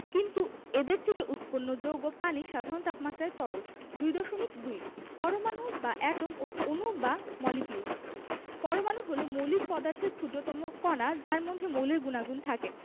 কিন্তু এদের থেকে উৎপন্ন যৌগ পানি সাধারণ তাপমাত্রায় তরল ২.২ পরমাণু বা এটম ও অণু বা মলিকিউলস পরমাণু হলো মৌলিক পদার্থের ক্ষুদ্রতম কণা যার মধ্যে মৌলের গুণাগুণ থাকে